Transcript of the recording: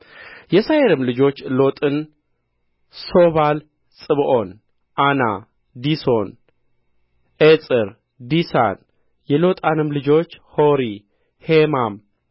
የሴይርም ልጆች ሎጣን ሦባል ጽብዖን ዓና ዲሶን ኤጽር ዲሳን የሎጣንም ልጆች ሖሪ ሔማም